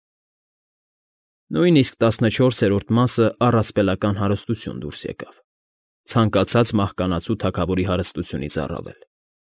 Նույնիսկ տասնչորսերորդ մասը առասպելական հարստություն դուրս եկավ, ցանկացած մահկանացու թագավորի հարստությունից առավել։